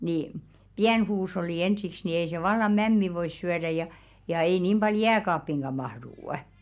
niin pieni huusholli ensiksi niin ei se vallan mämmiä voi syödä ja ja ei niin paljon jääkaappiinkaan mahdu